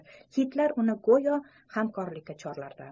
kitlar uni go'yo hamkorlikka chorlar edi